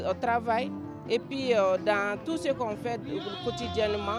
Ɔ tfa e'i dan tu se fɛ ko tɛ ja ma